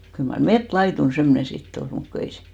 kyllä mar metsälaidun semmoinen sitten oli mutta kun ei se